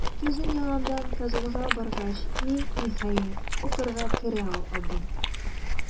Көзен яңадан Казанга баргач, мин, ниһаять, укырга керә алдым.